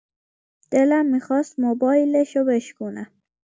دلم می‌خواست موبایلشو بشکونم.